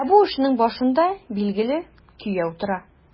Ә бу эшнең башында, билгеле, кияү тора.